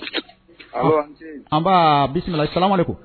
Allo a' ni ce. Anba bisimilayi , salamalekum.